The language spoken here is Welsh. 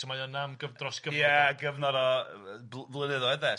So mae yna am gyf- dros gyfnod... Ia gyfnod o yy bl- flynyddoedd 'de